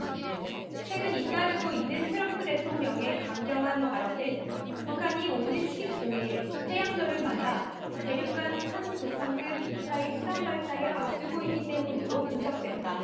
최근 잇따르고 있는 트럼프 대통령의 강경한 발언은 북한이 오는 십 오 일 태양절을 맞아 대륙간탄도탄급 미사일 실험 발사를 앞두고 있기 때문으로 분석된다